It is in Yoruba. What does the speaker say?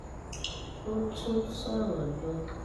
Ó tún sọ̀rọ̀ lọ.